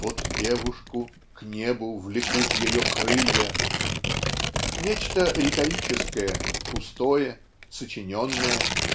"вот девушку к небу влекут ее крылья" -- нечто риторическое пустое сочиненное.